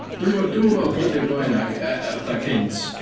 Dwi'm dwi'm yn gwybod pwy 'di'r boi yna, fatha cynt.